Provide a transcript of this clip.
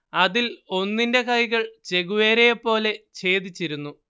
അതിൽ ഒന്നിന്റെ കൈകൾ ചെഗുവേരയെപ്പോലെ ഛേദിച്ചിരുന്നു